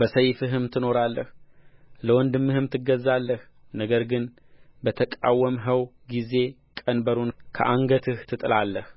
በሰይፍህም ትኖራለህ ለወንድምህም ትገዛለህ ነገር ግን በተቃወምኸው ጊዜ ቀንበሩን ከአንገትህ ትጥላለህ